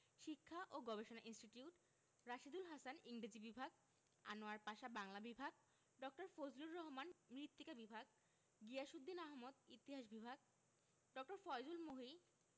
শিক্ষা ও গবেষণা ইনস্টিটিউট রাশীদুল হাসান ইংরেজি বিভাগ আনোয়ার পাশা বাংলা বিভাগ ড. ফজলুর রহমান মৃত্তিকা বিভাগ গিয়াসউদ্দিন আহমদ ইতিহাস বিভাগ ড. ফয়জুল মহি